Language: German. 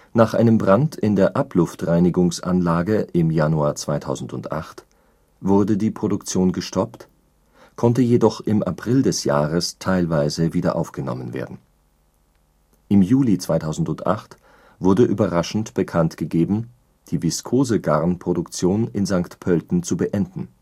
Nach einem Brand in der Abluftreinigungsanlage im Jänner 2008 wurde die Produktion gestoppt, konnte jedoch im April des Jahres teilweise wiederaufgenommen werden. Im Juli 2008 wurde überraschend bekannt gegeben, die Viskosegarnproduktion in St. Pölten zu beenden